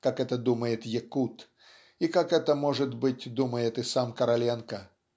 как это думает якут и как это может быть думает и сам Короленко.